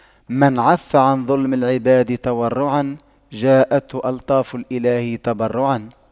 من عَفَّ عن ظلم العباد تورعا جاءته ألطاف الإله تبرعا